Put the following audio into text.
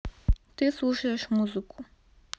ты слушаешь музыку